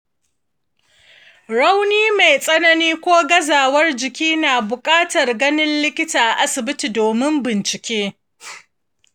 rauni mai tsanani ko gazawar jiki na bukatar ganin likita a asibiti domin bincike.